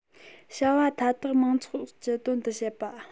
བྱ བ མཐའ དག མང ཚོགས ཀྱི དོན དུ བྱེད པ